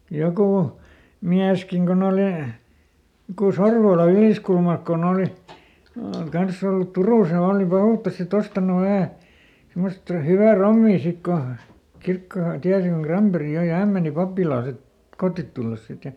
joku mieskin kun oli joku Sorvola Yliskulmalta kun oli kanssa ollut Turussa ja oli pahuuttansa sitten ostanut vähän semmoista hyvää rommia sitten kun kirkkoherra tiesi kun Granberg joi ja hän meni pappilaan sitten kotiin tullessa sitten ja